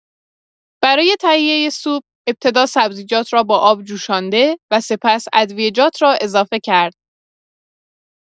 برای تهیه سوپ، ابتدا سبزیجات را با آب جوشانده و سپس ادویه‌جات را اضافه کرد.